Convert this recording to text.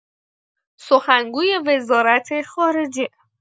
سخنگوی وزارت‌خارجه